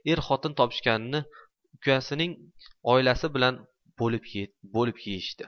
er xotin topishganini ukasining oilasi bilan bo'lib yeyishdi